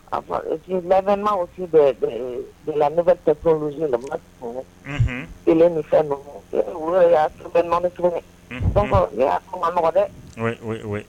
A lamɛn ne bɛ tɛ tɛmɛ kelen nin fɛn nɔ bɛ naani tɛmɛ ma nɔgɔ dɛ